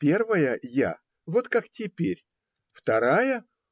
Первая я - вот как теперь вторая